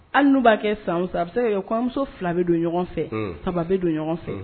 Hali n'u b'a kɛ san o san a bɛ se ka kɛ kɔɲɔmuso fila bɛ don ɲɔgɔn fɛ, unhun, saba bɛ don ɲɔgɔn fɛ, unhun